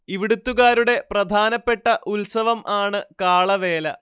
ഇവിടുത്തുകാരുടെ പ്രധാനപ്പെട്ട ഉത്സവം ആണ് കാളവേല